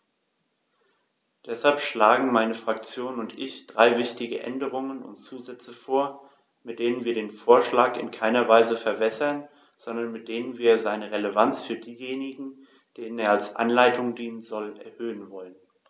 Deshalb schlagen meine Fraktion und ich drei wichtige Änderungen und Zusätze vor, mit denen wir den Vorschlag in keiner Weise verwässern, sondern mit denen wir seine Relevanz für diejenigen, denen er als Anleitung dienen soll, erhöhen wollen.